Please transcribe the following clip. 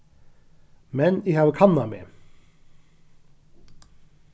men eg havi kannað meg